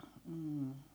mm